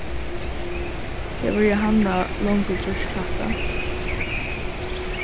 hevur jóhanna longu gjørt hatta